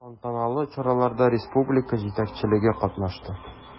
Тантаналы чараларда республика җитәкчелеге катнашты.